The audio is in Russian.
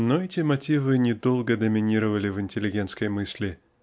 Но эти мотивы не долго доминировали в интеллигентской мысли